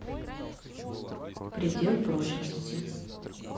предел прочности